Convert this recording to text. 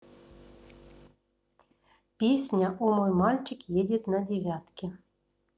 песня о мой мальчик едет на девятке